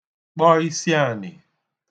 kpọ isiànì